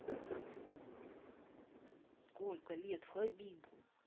сколько лет хабибу